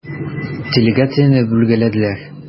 Делегацияне бүлгәләделәр.